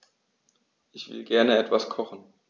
Ich will gerne etwas kochen.